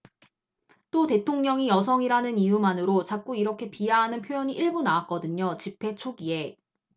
또 대통령이 여성이라는 이유만으로 자꾸 이렇게 비하하는 표현이 일부 나왔거든요 집회 초기에